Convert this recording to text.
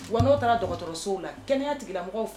Wa n'o taara dɔgɔtɔrɔsow la kɛnɛyayalamɔgɔ fɛ